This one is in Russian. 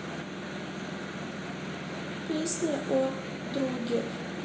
песня о друге